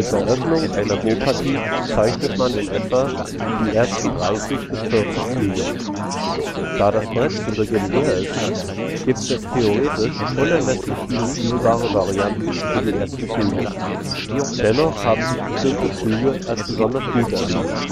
Eröffnung einer Go-Partie bezeichnet man in etwa die ersten 30 bis 40 Züge. Da das Brett zu Beginn leer ist, gibt es theoretisch unermesslich viele spielbare Varianten für die ersten Züge. Dennoch haben sich bestimmte Züge als besonders gut erwiesen